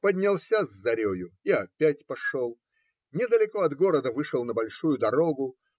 Поднялся с зарею и опять пошел; недалеко от города вышел на большую дорогу.